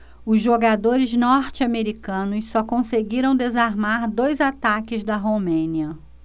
os jogadores norte-americanos só conseguiram desarmar dois ataques da romênia